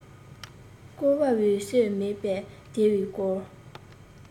བསྐོ བའི སྲོལ མེད པས དེ འི སྐོར